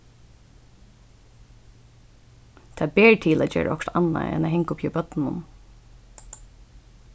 tað ber til at gera okkurt annað enn at hanga uppi í børnunum